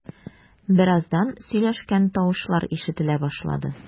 Бераздан сөйләшкән тавышлар ишетелә башлады.